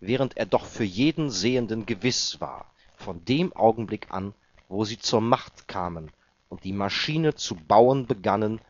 während er doch für jeden Sehenden gewiss war von dem Augenblick an, wo sie zur Macht kamen und die Maschine zu bauen begannen